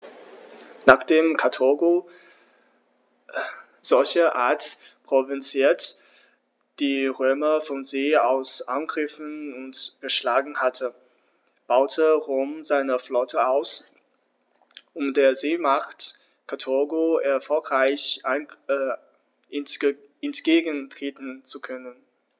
Nachdem Karthago, solcherart provoziert, die Römer von See aus angegriffen und geschlagen hatte, baute Rom seine Flotte aus, um der Seemacht Karthago erfolgreich entgegentreten zu können.